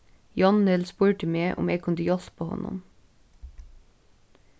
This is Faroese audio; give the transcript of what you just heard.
jonhild spurdi meg um eg kundi hjálpa honum